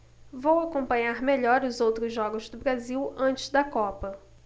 vou acompanhar melhor os outros jogos do brasil antes da copa